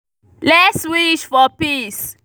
Let’s wish for peace.